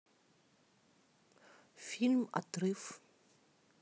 фильм отрыв